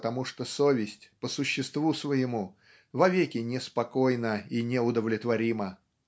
потому что совесть по существу своему вовеки неспокойна и неудовлетворима.